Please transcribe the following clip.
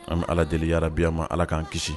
An bɛ Ala deli yaa rabi a ma Ala k'an kisi.